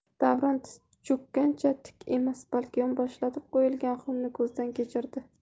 davron tiz cho'kkanicha tik emas balki yonboshlatib qo'yilgan xumni ko'zdan kechirdi